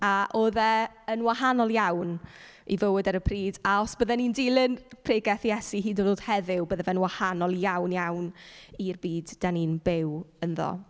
A oedd e yn wahanol iawn i fywyd ar y pryd, a os bydden ni'n dilyn pregeth Iesu hyd yn oed heddiw, bydde fe'n wahanol iawn, iawn i'r byd dan ni'n byw ynddo.